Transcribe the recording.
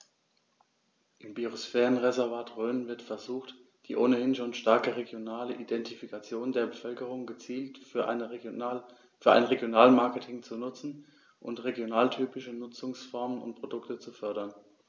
Im Biosphärenreservat Rhön wird versucht, die ohnehin schon starke regionale Identifikation der Bevölkerung gezielt für ein Regionalmarketing zu nutzen und regionaltypische Nutzungsformen und Produkte zu fördern.